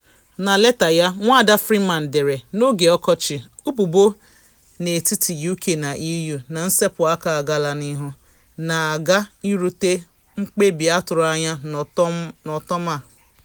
Na leta ya, Nwada Freeman dere: “N’oge ọkọchị, ụbụbọ n’etiti UK na EU na nsepụ aka agaala n’ihu, na aga irute mkpebi atụrụ anya n’ọtọm a.